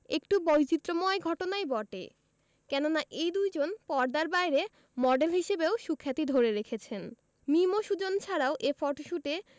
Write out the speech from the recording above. একটু বৈচিত্রময় ঘটনাই বটে কেননা এই দুইজন পর্দার বাইরে মডেল হিসেবেও সুখ্যাতি ধরে রেখেছেন মিম ও সুজন ছাড়াও এ ফটোশ্যুটে